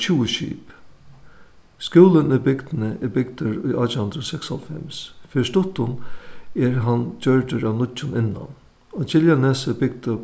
tjúgu skip skúlin í bygdini er bygdur í átjan hundrað og seksoghálvfems fyri stuttum er hann gjørdur av nýggjum innan á giljanesi bygdu